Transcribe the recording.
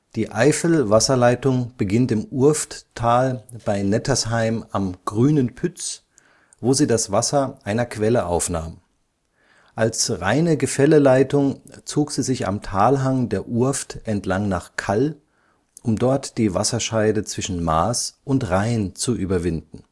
Die Eifelwasserleitung beginnt im Urfttal bei Nettersheim am Grünen Pütz, wo sie das Wasser einer Quelle aufnahm. Als reine Gefälleleitung zog sie sich am Talhang der Urft entlang nach Kall, um dort die Wasserscheide zwischen Maas und Rhein zu überwinden